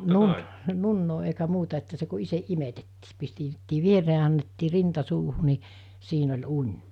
- nunnaa eikä muuta että se kun itse imetettiin pistettiin viereen ja annettiin rinta suuhun niin siinä oli uni